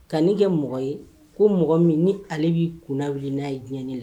Ka' kɛ mɔgɔ ye ko mɔgɔ min ni ale b'i kun wili n'a ye diɲɛi la